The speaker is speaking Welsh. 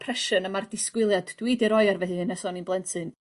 pressure 'na ma'r disgwyliad dwi 'di roi ar fy hun ers o'n i'n blentyn.